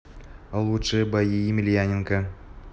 лучшие бои емельяненко